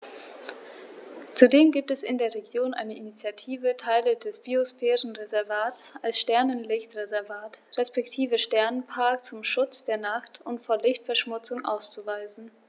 Zudem gibt es in der Region eine Initiative, Teile des Biosphärenreservats als Sternenlicht-Reservat respektive Sternenpark zum Schutz der Nacht und vor Lichtverschmutzung auszuweisen.